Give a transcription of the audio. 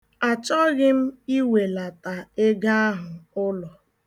A chọghị m iwelata ego ahụ ụlọ.